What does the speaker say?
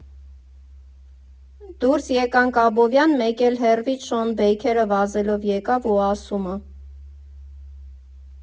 Դուրս եկանք Աբովյան, մեկ էլ հեռվից Շոն Բեյքերը վազելով եկավ ու ասում ա.